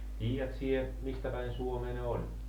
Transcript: tiedätkö sinä mistä päin Suomea ne oli